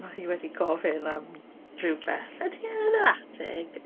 Mae hi wedi gofyn am rywbeth. "Ydi e yn yr atig?"